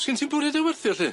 Sgin ti'm bwriad o'i werth o llu?